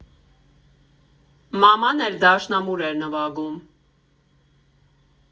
Մաման էլ դաշնամուր էր նվագում։